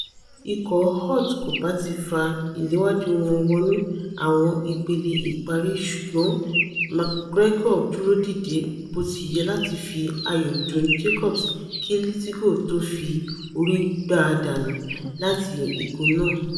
Ikọ̀ Holt kòbá ti fa ìléwájú wọn wọnú àwọn ipele ìparí ṣùgbọn McGregor duro dìde bótiyẹ láti fí ayò dun Jacobs kí Lithgow tó fi orí gbá a dànù láti igun náà.